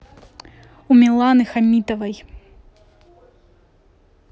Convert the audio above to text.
у миланы хамитовой